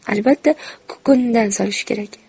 albatta kukunidan solish kerak